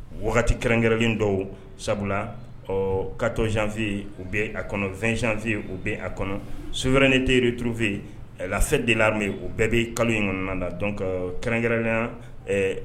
Kɛrɛnkɛrɛnlen dɔw sabula ɔ kayfiye u bɛ a kɔnɔ2ɛnfiye u bɛ a kɔnɔ so wɛrɛnen teri t tuurufi yen lase de la'a min u bɛɛ bɛ kalo in kɔnɔna na dɔn ka kɛrɛnkɛrɛnnenya